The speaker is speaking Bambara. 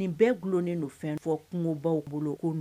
Nin bɛɛ dulonnen don fɛn fɔ kungo b baw bolo